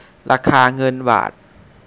ราคาเงินบาท